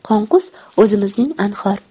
qonqus o'zimizning anhor